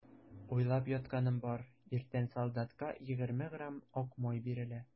Уйлап ятканым бар: иртән солдатка егерме грамм ак май бирелә.